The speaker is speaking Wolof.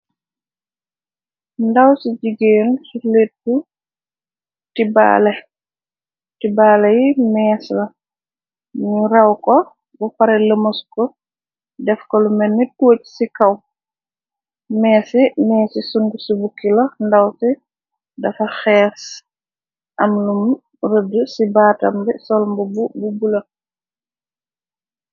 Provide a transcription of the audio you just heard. Ndaw ci jigeen gi lettu ti baale yi meesa ñu raw ko bu pare lemos ko def ka lu menni touj ci kaw meese mees ci sungu ci bukki la ndaw ci dafa xees am lum rëdd ci baatambi solmb bu bula.